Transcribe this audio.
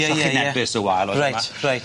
Ie ie ie. So chi'n epus y wal o'r yma. Reit. Reit.